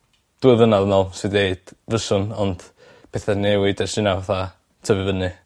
dwy flynadd yn ôl 'sw dweud fyswn ond pethe'n newid ers hynna fatha tyfu fyny.